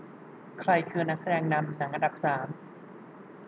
ใครคือนักแสดงนำหนังอันดับสาม